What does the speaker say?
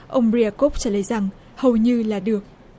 ông ria cúc trả lời rằng hầu như là được